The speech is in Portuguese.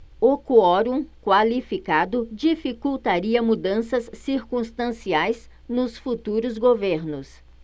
o quorum qualificado dificultaria mudanças circunstanciais nos futuros governos